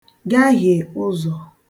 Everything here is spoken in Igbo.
gahịe ụzọ̀